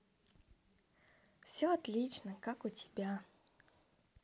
все отлично как у тебя